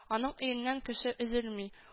Аның өеннән кеше өзелми